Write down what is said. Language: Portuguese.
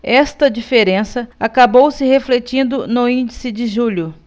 esta diferença acabou se refletindo no índice de julho